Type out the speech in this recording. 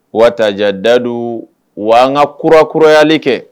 wa an ka kura kurayali kɛ